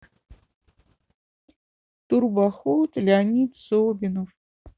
турбоход леонид собинов